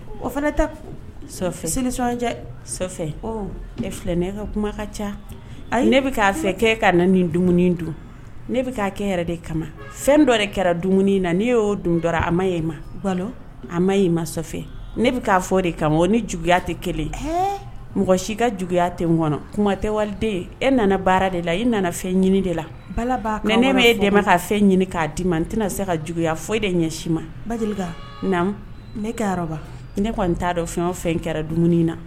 O fana sɔrɔsɔnjɛ ne filɛ ne ka kuma ka ca ne bɛ k'a fɛ kɛ ka na nin dumuni dun ne bɛ k'a kɛ yɛrɛ de kama fɛn dɔ de kɛra dumuni in na ni y'o dun dɔrɔn a ma e ma balo a ma ma ne bɛ k'a fɔ de kama ni juguya tɛ kelen mɔgɔ si ka juguya tɛ n kɔnɔ kuma tɛ waliden e nana baara de la i nana fɛn ɲini de la balaba ne bɛ e dɛmɛ ka fɛn ɲini k'a dii ma n tɛna se ka juguyaya foyi de ɲɛ si ma na ne kaba ne kɔni n t'a dɔn fɛn o fɛn kɛra dumuni in na